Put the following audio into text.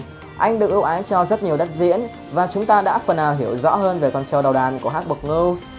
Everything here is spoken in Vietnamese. anh được ưu ái cho rất nhiều đất diễn và chúng ta đã phần nào hiểu rõ hơn về con trâu đầu đàn của hắc bộc ngưu